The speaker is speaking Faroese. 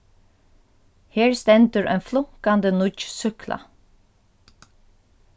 her stendur ein flunkandi nýggj súkkla